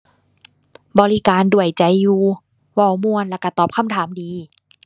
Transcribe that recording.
บริการด้วยใจอยู่ เว้าม่วนแล้วก็ตอบคำถามดี